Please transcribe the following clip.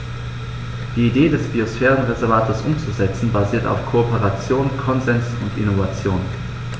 Die Idee des Biosphärenreservates umzusetzen, basiert auf Kooperation, Konsens und Innovation.